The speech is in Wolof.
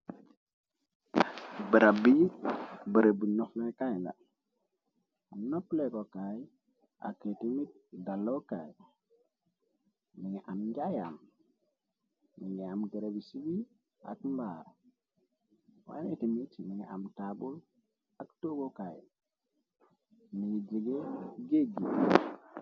Barab bi, barebu noflokaay la, nopplekokaay ak li di dalokaay, mingi am njaayan, mi ngi am gërabi siwi ak mbaar, wane tamit mingi am taabul ak toogokaay miyi jige géeg gi